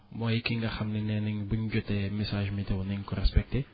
mooy ki nga xam ne nee nañ buñ jotee message météo nañ ko respecté